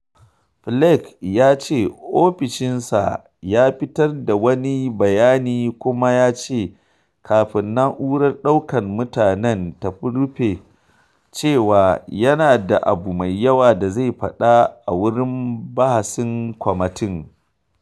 Flake ya ce ofishinsa ya fitar da wani bayani kuma ya ce, kafin na’urar ɗaukan mutanen ta rufe, cewa yana da abu mai yawa da zai faɗa a wurin bahasin kwamitin.